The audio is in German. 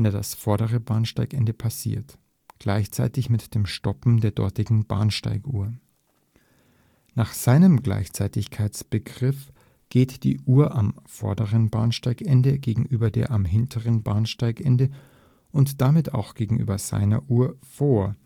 das vordere Bahnsteigende passiert, gleichzeitig mit dem Stoppen der dortigen Bahnsteiguhr. Nach seinem Gleichzeitigkeitsbegriff geht die Uhr am vorderen Bahnsteigende gegenüber der am hinteren Bahnsteigende und damit auch gegenüber seiner Uhr vor